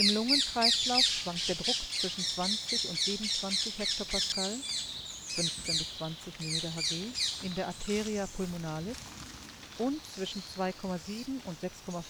Lungenkreislauf schwankt der Druck zwischen 20 und 27 hPa (15 – 20 mmHg) in der Arteria pulmonalis und zwischen 2,7 und 6,5